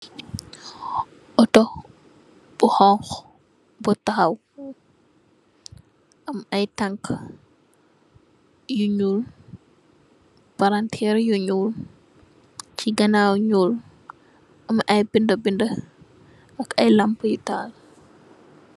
Auto bu xonxu bu taxaw am ay tanka yu nuul palanterr yu nuul si ganaw nuul am ay binda binda ak ay lampa yu taal.